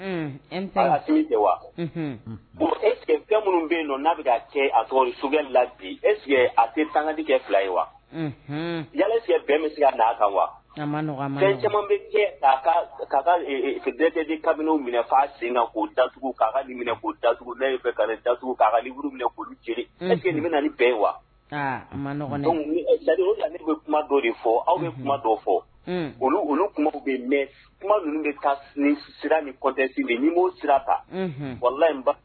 Te kabini minɛfa sen datugu'a ko daugu la fɛ ka daugu'auru minɛ kululu e bɛna bɛɛ ye wa la bɛ kuma dɔ de fɔ aw bɛ kuma dɔ fɔ olu olu kuma bɛ yen mɛn kuma ninnu bɛ sira ni kɔnte ni'o sira ta wala la